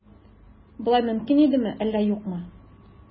Болай мөмкин идеме, әллә юкмы?